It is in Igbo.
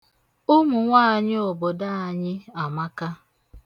Ụmụnwaanyị obodo anyị amaka.